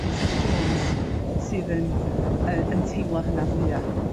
Misys Jones sydd yn yn teimlo hynna fwya.